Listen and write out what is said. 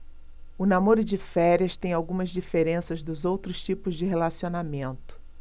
o namoro de férias tem algumas diferenças dos outros tipos de relacionamento